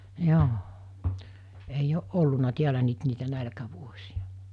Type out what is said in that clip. joo ei ole ollut täällä nyt niitä nälkävuosia